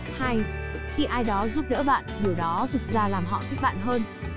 khi ai đó giúp đỡ bạn điều đó thực ra làm họ thích bạn hơn